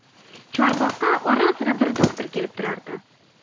chorboqqa ora sira bir doktor kelib turardi